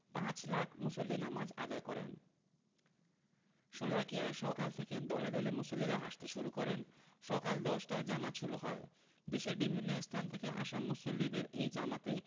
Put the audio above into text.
পাঁচ লাখ মুসল্লি নামাজ আদায় করেন শোলাকিয়ায় সকাল থেকে দলে দলে মুসল্লিরা আসতে শুরু করেন সকাল ১০টায় জামাত শুরু হয় দেশের বিভিন্ন স্থান থেকে আসা মুসল্লিদের এই জামাতে